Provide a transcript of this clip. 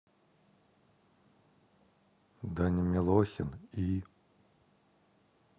даня милохин и